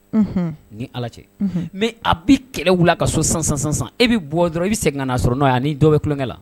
Ni ala cɛ a bi kɛlɛ ka so san san san i bɛ bɔ dɔrɔn i bɛ segin ka' yan dɔ bɛ tulonkɛ la